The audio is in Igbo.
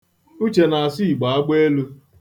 Uchenna na-asụ Igbo Agbeelu.